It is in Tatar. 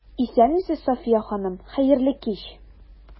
Исәнмесез, Сафия ханым, хәерле кич!